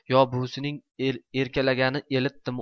yo buvisining erkalagani elitdimi